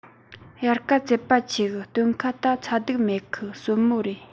དབྱར ཁ ཙད པ ཆེ གི སྟོན ཁ ད ཚ གདུག མེད གི བསོད མོ རེད